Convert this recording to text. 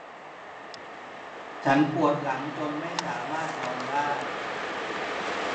ฉันปวดหลังจนไม่สามารถนอนได้